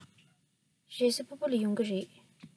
རེས གཟའ ཕུར བུ ལ ཡོང གི རེད